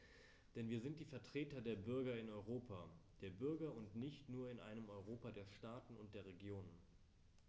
Denn wir sind die Vertreter der Bürger im Europa der Bürger und nicht nur in einem Europa der Staaten und der Regionen.